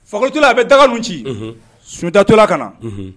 Fakoli to la a bɛ ci Sunjata to la ka na